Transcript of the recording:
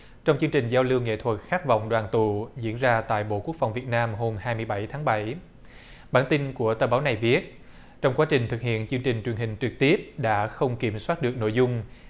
trong chương trình giao lưu nghệ thuật khát vọng đoàn tụ diễn ra tại bộ quốc phòng việt nam hôm hai mươi bảy tháng bảy bản tin của tờ báo này viết trong quá trình thực hiện chương trình truyền hình trực tiếp đã không kiểm soát được nội dung